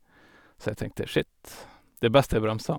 Så jeg tenkte Skitt, det er best jeg bremser.